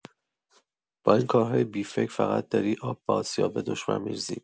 با این کارهای بی‌فکر فقط داری آب به آسیاب دشمن می‌ریزی.